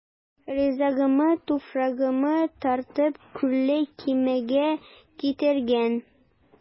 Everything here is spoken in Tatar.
Ризыгыммы, туфрагыммы тартып, Күлле Кимегә китергән.